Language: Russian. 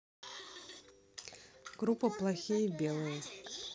группа плохие белые